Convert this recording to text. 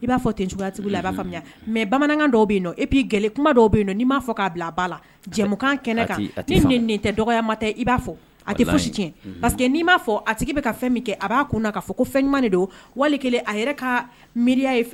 i b'a fɔya la a b'a faamuya mɛ bamanankan dɔw bɛ yen i'ikuma dɔw bɛ yen n' b'a fɔ k'a bila ba lakan kɛnɛ kan nin tɛ dɔgɔyama ta i b'a fɔ a tɛsi pariseke'i m'a fɔ a tigi bɛ ka fɛn min kɛ a b'a kun na' fɔ ko fɛn ɲuman de don wali a yɛrɛ ka miya ye